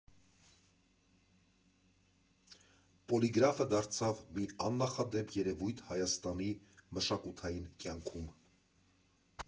Պոլիգրաֆը դարձավ մի աննախադեպ երևույթ Հայատանի մշակութային կյանքում։